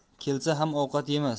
kelsa ham ovqat yemas